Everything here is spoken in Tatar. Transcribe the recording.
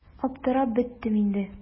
Аптырап беттем инде.